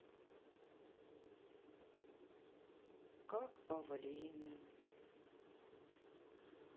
как павлины